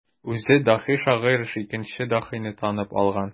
Үзе даһи шагыйрь икенче даһине танып алган.